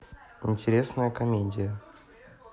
интересная комедия